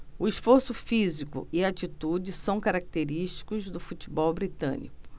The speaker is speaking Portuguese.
o esforço físico e a atitude são característicos do futebol britânico